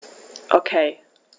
Okay.